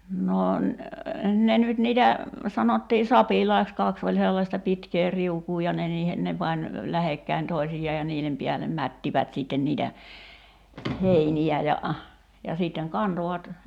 no - ne nyt niitä sanottiin sapilaiksi kaksi oli sellaista pitkää riukua ja ne niihin ne pani lähekkäin toisiaan ja niiden päälle mättivät sitten niitä heiniä ja ja sitten kantoivat